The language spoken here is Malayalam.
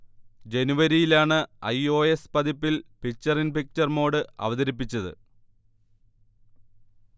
ജനുവരിയിലാണ് ഐ. ഓ. എസ്. പതിപ്പിൽ പിക്ചർ ഇൻ പിക്ചർ മോഡ് അവതരിപ്പിച്ചത്